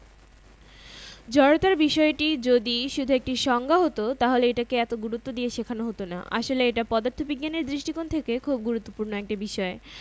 সেটাকে সহজে বিচ্যুত করা যায় কিংবা অন্যভাবে বলা যায় ভর কম হলে জড়তার প্রভাবটা তুলনামূলকভাবে কম হয়